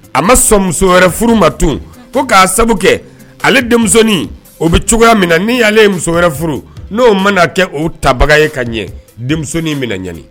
A ma sɔn muso wɛrɛf furu ma tun ko k'a sabu kɛ ale denmisɛnnin o bɛ cogoya min na ni ale ye muso wɛrɛf furu n'o manaa kɛ o tabaga ye ka ɲɛ denmisɛnnin minɛ ɲani